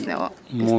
pis ne wo